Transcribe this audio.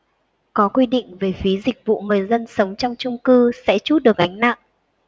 có quy định về phí dịch vụ người dân sống trong chung cư sẽ trút được gánh nặng